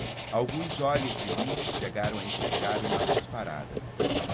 alguns olhos de lince chegaram a enxergar uma cusparada